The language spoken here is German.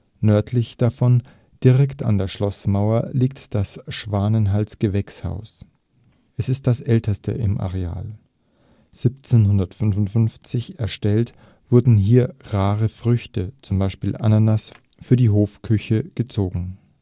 Nördlich davon, direkt an der Schlossmauer liegt das Schwanenhals-Gewächshaus. Es ist das älteste im Areal. 1755 erstellt, wurden hier „ rare Früchte “, z. B. Ananas, für die Hofküche gezogen